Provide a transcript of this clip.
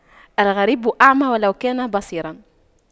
الغريب أعمى ولو كان بصيراً